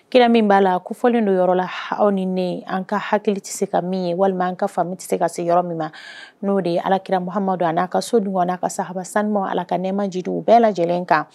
Kira min b'a la ko fɔli don yɔrɔ la aw ni ne an ka hakili tɛ se ka min ye walima an ka fa tɛ se ka se yɔrɔ min ma n'o de ye alakira muhamadu don an n'a ka so dun n'a ka sa haba sanumu ala ka ne maj u bɛɛ lajɛlen kan